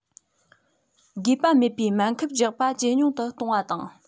དགོས པ མེད པའི སྨན ཁབ རྒྱག པ ཇེ ཉུང དུ གཏོང པ དང